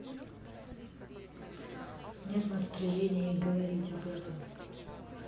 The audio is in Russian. нет настроения и говорить об этом